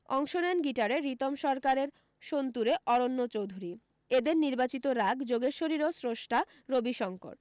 অংশ নেন গিটারে ঋতম সরকার সন্তুরে অরণ্য চোধুরী এদের নির্বাচিত রাগ যোগেশ্বরীরও স্রস্টা রবিশংকর